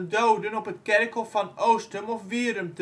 doden op het kerkhof van Oostum of Wierum